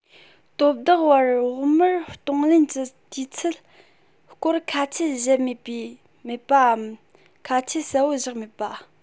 དོ བདག བར བོགས མར གཏོང ལེན གྱི དུས ཚད སྐོར ཁ ཆད བཞག མེད པའམ ཁ ཆད གསལ པོ བཞག མེད པ